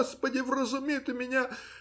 Господи, вразуми ты меня!.